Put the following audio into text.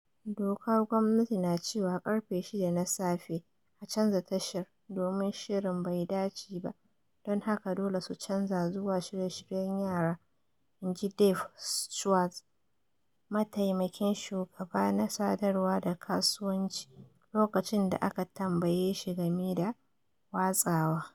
"Dokar gwamnati na cewa karfe 6 na safe a canza tashar domin shirin bai dace ba don haka dole su canza zuwa shirye shiryen yara," in ji Dave Schwartz, matamakin shugaba na sadarwa da kasuwanci, lokacin da aka tambaye shi game da watsawa.